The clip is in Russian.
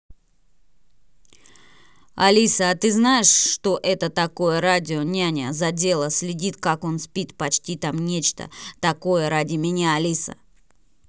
алиса а ты знаешь что это такое радио няня задела следит как он спит почти там нечто такое ради меня алиса